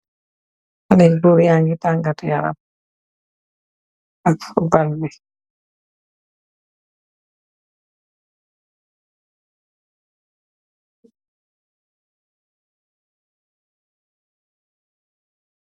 Xalèh gór ya ngi tangal yaram ak futbal bi.